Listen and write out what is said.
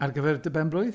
Ar gyfer dy benblwydd?